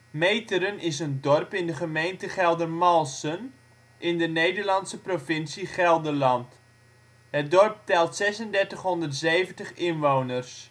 Meteren is een dorp in de gemeente Geldermalsen, in de Nederlandse provincie Gelderland. Het dorp telt 3670 inwoners